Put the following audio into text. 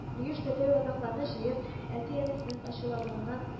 Биюш тәтәй ватыкларны җыеп, әти-әнисенең ачулануыннан